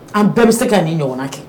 An bɛɛ bɛ se k ka ni ɲɔgɔn kɛ